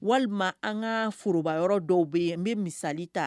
Walima an ka foroba yɔrɔ dɔw bi ye n bɛ misali ta